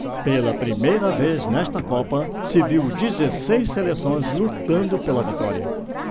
pela primeira vez nesta copa se viu dezesseis seleções lutando pela vitória